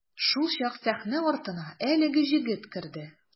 Шулчак сәхнә артына әлеге җегет керде.